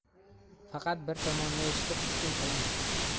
faqat bir tomonni eshitib hukm qilma